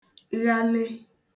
ghale